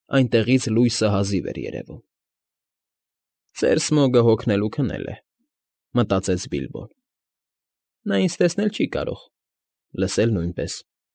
Այնտեղից լույսը հազիվ էր երևում։ «Ծեր Սմոգը հոնգնել ու քնել է,֊ մտածեց Բիլբոն։֊ Նա ինձ տեսնել չի կարող, լսել՝ նույնպես։